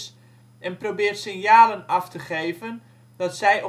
probeert signalen af te geven dat zij